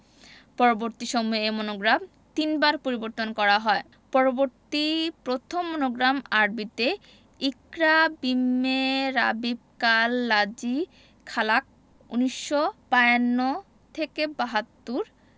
পরবর্তী সময়ে এ মনোগ্রাম তিনবার পরিবর্তন করা হয় পরবর্তী প্রথম মনোগ্রাম আরবিতে ইকরা বিস্মে রাবিবকাল লাজি খালাক্ক ১৯৫২ থেকে ৭২